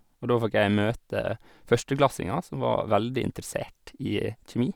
Og da fikk jeg møte førsteklassinger som var veldig interessert i kjemi.